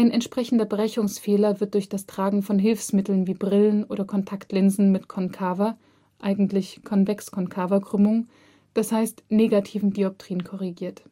entsprechender Brechungsfehler wird durch das Tragen von Hilfsmitteln wie Brillen oder Kontaktlinsen mit konkaver (eigentlich: konvex-konkaver) Krümmung (d. h. negativen Dioptrien) korrigiert